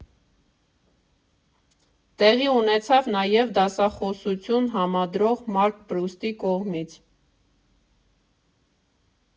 Տեղի ունեցավ նաև դասախոսություն համադրող Մարկ Պրուստի կողմից։